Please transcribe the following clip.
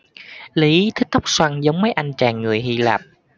lý thích tóc xoăn giống mấy anh chàng người hy lạp